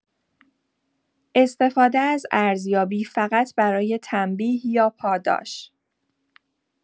استفاده از ارزیابی فقط برای تنبیه یا پاداش